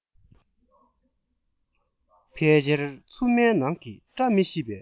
ཕལ ཆེར འཚུབ མའི ནང གི བཀྲ མི ཤེས པའི